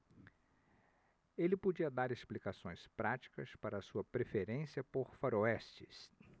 ele podia dar explicações práticas para sua preferência por faroestes